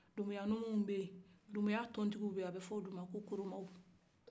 dumuya numun be dumuya ton tigi ben a bɛ fɔ olu koroma